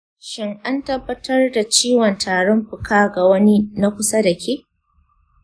shin an tabbatar da ciwon tarin fuka ga wani na kusa dake?